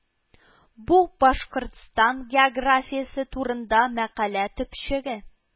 Бу Башкортстан географиясе турында мәкалә төпчеге